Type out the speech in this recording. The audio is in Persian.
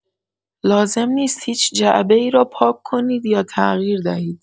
لازم نیست هیچ جعبه‌ای را پاک کنید یا تغییر دهید.